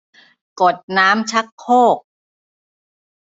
กดน้ำชักโครก